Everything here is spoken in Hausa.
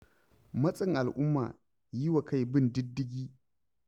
Matsin al'umma, yi wa kai bin diddigi